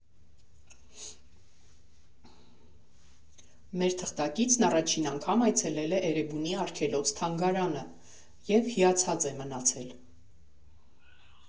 Մեր թղթակիցն առաջին անգամ այցելել է Էրեբունի արգելոց֊թանգարանը (և հիացած է մնացել)։